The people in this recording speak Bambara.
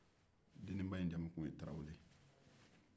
deninba in jamu tun ye tarawele ye